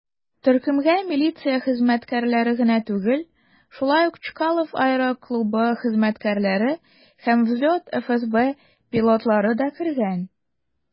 Төркемгә милиция хезмәткәрләре генә түгел, шулай ук Чкалов аэроклубы хезмәткәрләре һәм "Взлет" ФСБ пилотлары да кергән.